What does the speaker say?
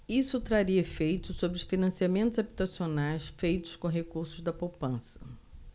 isso traria efeitos sobre os financiamentos habitacionais feitos com recursos da poupança